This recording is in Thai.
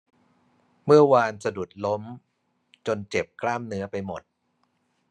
เมื่อวานสะดุดล้มจนเจ็บกล้ามเนื้อไปหมด